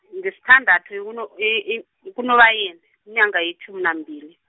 nge sithandathu yi kuno eyi i- ikhuno abayenzi, ngiyenga elitjhumi nambili.